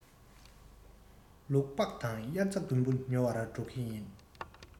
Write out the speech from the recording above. ལུག པགས དང དབྱར རྩྭ དགུན འབུ ཉོ བར འགྲོ གི ཡིན